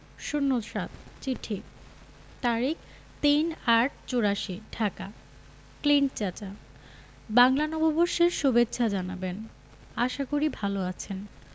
০৭ চিঠি তারিখ ৩-৮-৮৪ ঢাকা ক্লিন্ট চাচা বাংলা নববর্ষের সুভেচ্ছা জানাবেন আশা করি ভালো আছেন